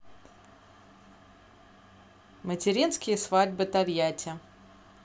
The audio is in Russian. материнские свадьбы тольятти